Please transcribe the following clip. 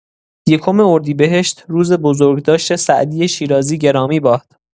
یکم اردیبهشت روز بزرگداشت سعدی شیرازی گرامی باد.